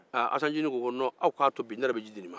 aa asan nciinin ko aw k'a to ne yɛrɛ bɛ ji di ninnu ma